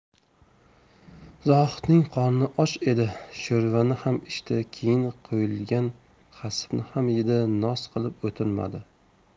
zohidning qorni och edi sho'rvani ham ichdi keyin qo'yilgan xasipni ham yedi noz qilib o'tirmadi